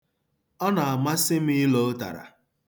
Ọ na-amasị m ilo ụtara.